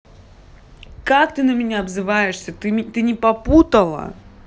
как ты на меня обзываешься ты не попутала